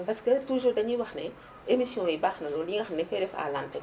parce que toujours dañuy wax ne émissions yi baax na lool yi nga xam ne dañu koy def à l' antenne